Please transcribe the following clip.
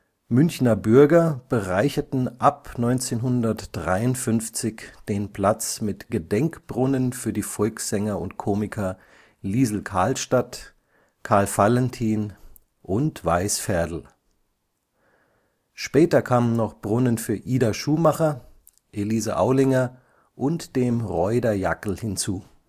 Münchner Bürger bereicherten ab 1953 den Platz mit Gedenkbrunnen für die Volkssänger und Komiker Liesl Karlstadt, Karl Valentin und Weiß Ferdl. Später kamen noch Brunnen für Ida Schumacher, Elise Aulinger und dem Roider Jackl hinzu